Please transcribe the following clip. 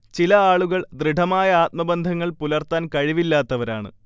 ചില ആളുകൾ ദൃഢമായ ആത്മബന്ധങ്ങൾ പുലർത്താൻ കഴിവില്ലാത്തവരാണ്